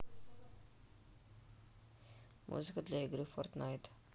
музыка для игры фортнайта